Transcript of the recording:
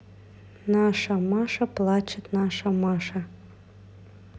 наша маша плачет наша маша